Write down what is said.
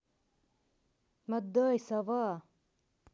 отдай сова